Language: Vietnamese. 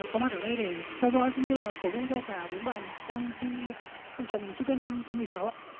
có mặt ở đây để theo dõi cũng như là cổ vũ cho cả bốn bạn đang thi trong trận chung kết năm thứ mười sáu